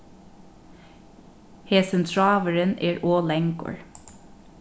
hesin tráðurin er ov langur